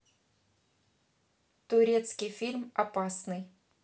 турецкий фильм опасный